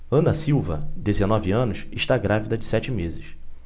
ana silva dezenove anos está grávida de sete meses